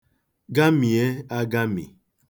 Gamie agami.